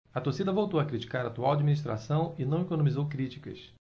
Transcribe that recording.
a torcida voltou a criticar a atual administração e não economizou críticas